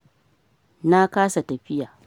Na kasa tafiya.